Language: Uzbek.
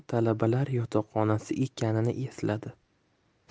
talabalar yotoqxonasi ekanini esladi